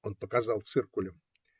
- Он показал, циркулем.